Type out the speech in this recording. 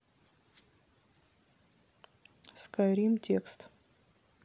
скайрим текст